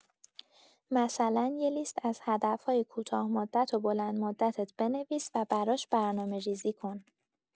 مثلا یه لیست از هدف‌های کوتاه‌مدت و بلندمدتت بنویس و براش برنامه‌ریزی کن.